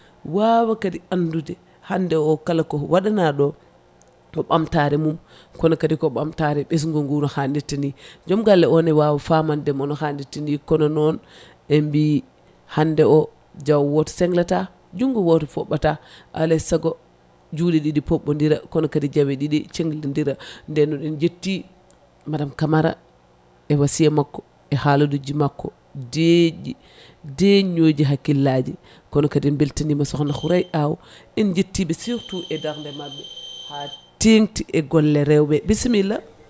wawa kadi andude hande kala ko waɗana ɗo to ɓamtare mum kono kadi ɓamtare ɓesgu ngu no hanirta ni joom galle one wawa famandemo no hannirta no kono noon ɓe mbi hande o jaawo woto senglata juggo woto foɓɓata aley saago juuɗe ɗiɗi pobɓodira kono kadi jaawe ɗiɗi senglodira nden en jatti madame Camara e wasiya makko e haalaluji makko dejƴi dejnoji hakkillaji kono akdi en beltanima sokhna Houraye Aw en jettiɓe surtout e darde mabɓe ha tengti e golle rewɓe bissimilla